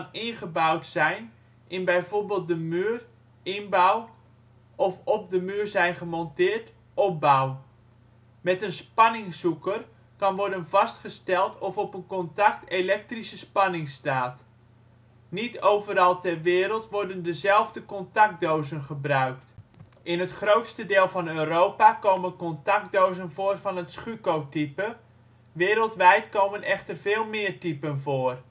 ingebouwd zijn in bijvoorbeeld de muur (inbouw) of op de muur zijn gemonteerd (opbouw). Met een spanningzoeker kan worden vastgesteld of op een contact elektrische spanning staat. Niet overal ter wereld worden dezelfde contactdozen gebruikt. In het grootste deel van Europa komen contactdozen voor van het schuko-type zoals op de foto is aangegeven. Wereldwijd komen echter veel meer typen voor